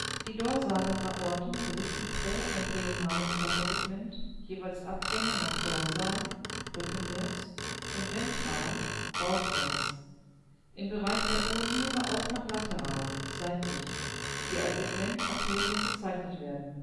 Die dorsalen Aorten besitzen pro embryonalen Körpersegment jeweils Abgänge nach dorsal (rückenwärts) und ventral (bauchwärts), im Bereich der Urniere auch nach lateral (seitlich), die als Segmentarterien bezeichnet werden